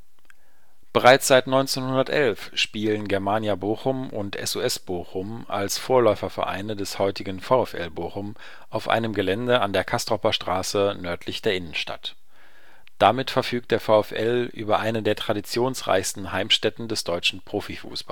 Bereits seit 1911 spielen Germania Bochum und SuS Bochum als Vorläufervereine des heutigen VfL Bochum auf einem Gelände an der Castroper Straße nördlich der Innenstadt. Damit verfügt der VfL über eine der traditionsreichsten Heimstätten des deutschen Profifußballs